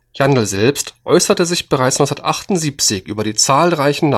Jandl selbst äußerte sich bereits 1978 über die zahlreichen